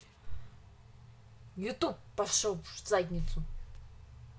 youtube пошел в задницу